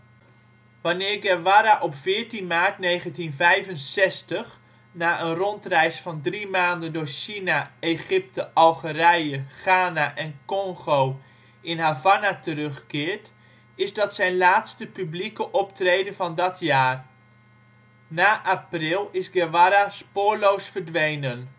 Wanneer Guevara op 14 maart 1965 na een rondreis van drie maanden door China, Egypte, Algerije, Ghana en Congo in Havana terugkeert, is dat zijn laatste publieke optreden van dat jaar. Na april is Guevara spoorloos verdwenen